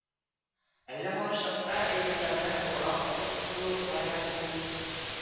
Әллә малай чакта әйберләрне олырак итеп күрү галәмәтеме бу